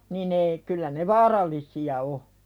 niin ei kyllä ne vaarallisia on